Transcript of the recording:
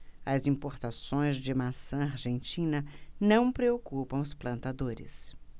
as importações de maçã argentina não preocupam os plantadores